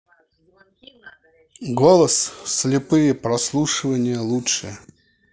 голос слепые прослушивания лучшее